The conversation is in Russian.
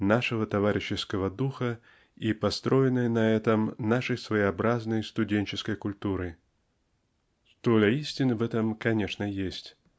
нашего товарищеского духа и построенной на этом нашей своеобразной студенческой культуры. Доля истины в этом, конечно, есть.